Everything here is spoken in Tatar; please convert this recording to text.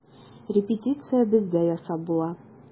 Репетиция бездә ясап була.